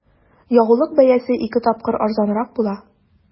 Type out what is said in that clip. Ягулык бәясе ике тапкыр арзанрак була.